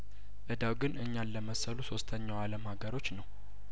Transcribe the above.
እዳው ግን እኛን ለመሰሉ ሶስተኛው አለም ሀገሮች ነው